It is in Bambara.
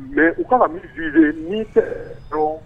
Mais u kan ka min viser ministère